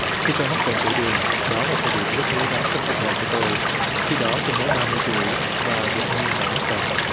khi tôi mắc bệnh tiểu đường đó là thời điểm rất rối rắm trong cuộc đời của tôi khi đó tôi mới ba mươi tuổi và đột nhiên lại mắc bệnh